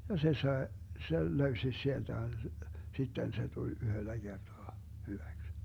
ja se sai sen löysi sieltä sitten se tuli yhdellä kertaa hyväksi